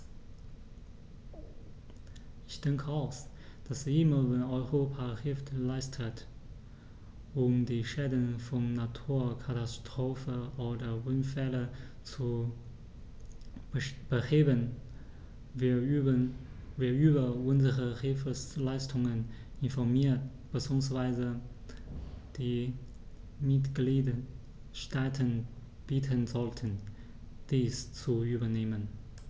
Ich denke auch, dass immer wenn Europa Hilfe leistet, um die Schäden von Naturkatastrophen oder Unfällen zu beheben, wir über unsere Hilfsleistungen informieren bzw. die Mitgliedstaaten bitten sollten, dies zu übernehmen.